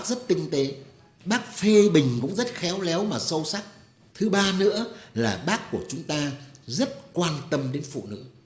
rất tinh tế bác phê bình cũng rất khéo léo và sâu sắc thứ ba nữa là bác của chúng ta rất quan tâm đến phụ nữ